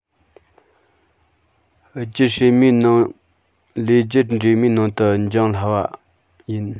རྒྱུད བསྲེས མའི ནང ལས རྒྱུད འདྲེས མའི ནང དུ བྱུང སླ བ ཡིན